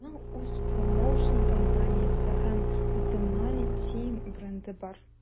Аның үз промоушн-компаниясе һәм The Money Team бренды бар.